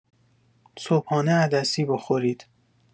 صبحانه عدسی بخورید!